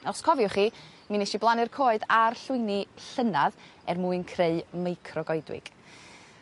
Os cofiwch chi mi nesh i blannu'r coed a'r llwyni llynadd er mwyn creu meicrogoedwig.